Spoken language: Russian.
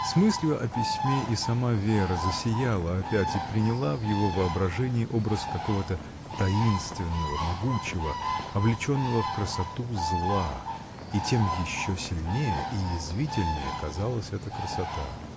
С мыслью о письме и сама Вера засияла опять и приняла в его воображении образ какого-то таинственного, могучего, облеченного в красоту зла, и тем еще сильнее и язвительнее казалась эта красота.